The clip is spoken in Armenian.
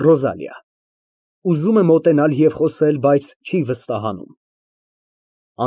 ՌՈԶԱԼԻԱ ֊ (Ուզում է մոտենալ ու խոսել, բայց չի վստահանում)։